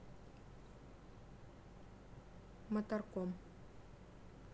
моторком